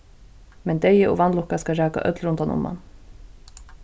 men deyði og vanlukka skal raka øll rundan um hann